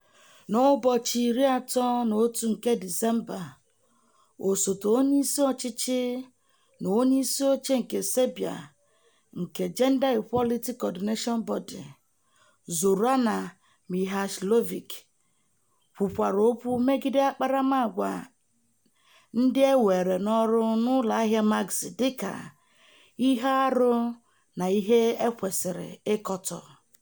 N'ụbọchị 31 nke December, Osote Onyeịsi Ọchịchị na Onyeisioche nke Serbia nke Gender Equality Coordination Body, Zorana Mihajlović, kwukwara okwu megide akparamaagwa ndị eweere n'ọrụ n'ụlọahịa Maxi dịka "ihe arụ na ihe e kwesịrị ịkọtọ.